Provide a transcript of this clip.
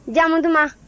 jamu duman